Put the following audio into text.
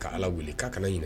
Ka allah weele k'a kana ɲinɛ